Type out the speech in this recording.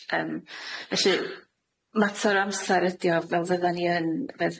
Yym, felly, mater o amsar ydi o, fel fyddan ni yn fedd-